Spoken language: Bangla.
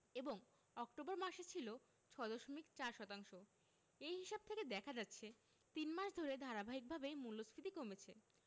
এবং অক্টোবর মাসে ছিল ৬ দশমিক ০৪ শতাংশ এ হিসাব থেকে দেখা যাচ্ছে তিন মাস ধরে ধারাবাহিকভাবেই মূল্যস্ফীতি কমেছে